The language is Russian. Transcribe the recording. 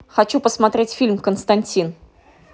хочу посмотреть фильм константин